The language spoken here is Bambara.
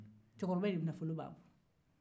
cɛkɔrɔba in nafolo b'a bolo